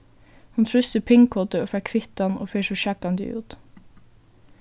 hon trýstir pin-kodu og fær kvittan og fer so sjaggandi út